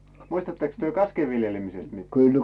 muistattekos te kasken viljelemisestä mitään